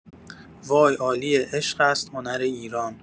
وای عالیه عشق است هنر ایران